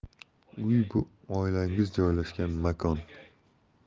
uy bu oilangiz joylashgan makon